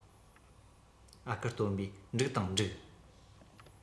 ཨ ཁུ སྟོན པས འགྲིག དང འགྲིག